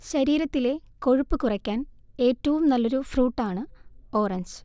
ശരീരത്തിലെ കൊഴുപ്പ് കുറയ്ക്കാൻഏറ്റവും നല്ലൊരു ഫ്രൂട്ടാണ് ഓറഞ്ച്